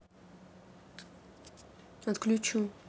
отключу